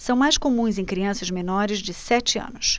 são mais comuns em crianças menores de sete anos